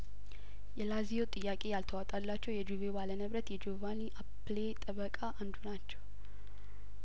የላዚዮ ጥያቄ ያልተዋጠላቸው የጁቬው ባለንብረት የጆቫኒ አፕሌ ጠበቃ አንዱ ናቸው